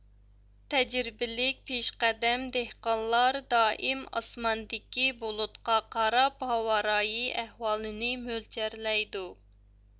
تەجرىبىلىك پېشقەدەم دېھقانلار دائىم ئاسماندىكى بۇلۇتقا قاراپ ھاۋارايى ئەھۋالىنى مۆلچەرلەيدۇ